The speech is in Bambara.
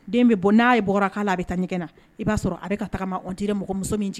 Den bɛ bɔ n'a ye b bɔrara k' la a bɛ taa ɲɛgɛn na i b'a sɔrɔ a bɛ ka taga ma n tɛ mɔgɔmuso min